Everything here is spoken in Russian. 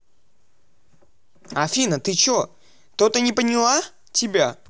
афина ты че то не поняла тебя